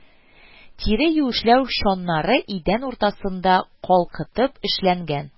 Тире юешләү чаннары идән уртасында калкытып эшләнгән